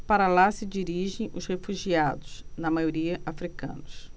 para lá se dirigem os refugiados na maioria hútus